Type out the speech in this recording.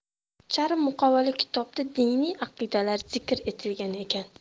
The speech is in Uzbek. charm muqovali kitobda diniy aqidalar zikr etilgan ekan